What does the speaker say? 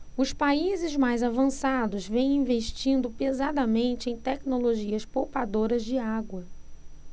os países mais avançados vêm investindo pesadamente em tecnologias poupadoras de água